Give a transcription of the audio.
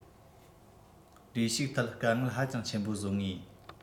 ལས ཞུགས ཐད དཀའ ངལ ཧ ཅང ཆེན པོ བཟོ ངེས ཡིན